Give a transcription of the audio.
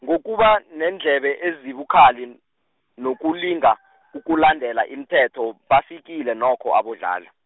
ngokuba neendlebe ezibukhali, n- nokulinga ukulandela umthetho bafikile nokho aboDladla.